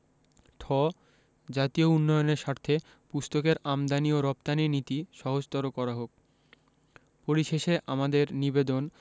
ঠ জাতীয় উন্নয়নের স্বার্থে পুস্তকের আমদানী ও রপ্তানী নীতি সহজতর করা হোক পরিশেষে আমাদের নিবেদন